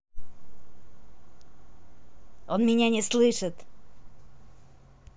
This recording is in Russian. он меня не слышит